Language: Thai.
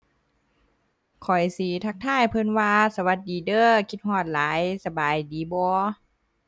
ข้อยสิทักทายเพิ่นว่า สวัสดีเด้อ คิดฮอดหลาย สบายดีบ่